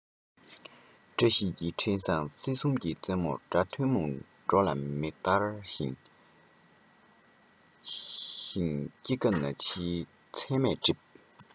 བཀྲ ཤིས ཀྱི འཕྲིན བཟང སྲིད གསུམ གྱི རྩེ མོར སྒྲ ཐུན མོང འགྲོ ལ མི ལྟར བཞེངས ཤིང སྐྱེ རྒ ན འཆིའི མཚན མས བསྒྲིབས